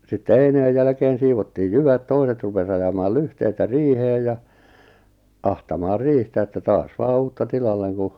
sitten eineen jälkeen siivottiin jyvät toiset rupesi ajamaan lyhteitä riiheen ja ahtamaan riihtä että taas vain uutta tilalle kun